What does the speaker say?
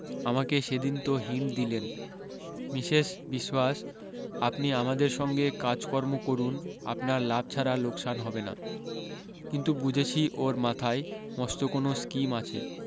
আমাকে সেদিন তো হিণ্ট দিলেন মিসেস বিশোয়াস আপনি আমাদের সঙ্গে কাজকর্ম করুণ আপনার লাভ ছাড়া লোকসান হবে না কিন্তু বুঝেছি ওর মাথায় মস্ত কোন স্কীম আছে